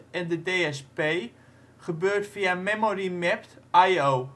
en de DSP gebeurd via memory-mapped I/O